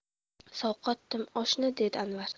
sovqotdim oshna dedi anvar